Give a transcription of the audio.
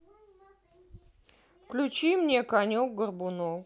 включи мне конек горбунок